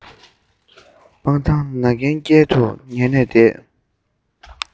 སྤང ཐང ན གན རྐྱལ དུ ཉལ ནས བསྡད